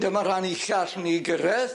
Dyma rhan ucha allwn ni gyrredd.